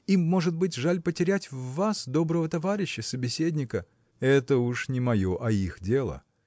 им, может быть, жаль потерять в вас доброго товарища, собеседника? – Это уж не мое, а их дело.